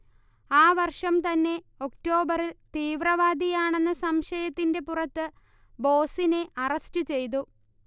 ആ വർഷം തന്നെ ഒക്ടോബറിൽ തീവ്രവാദിയാണെന്ന സംശയത്തിന്റെ പുറത്ത് ബോസിനെ അറസ്റ്റ് ചെയ്തു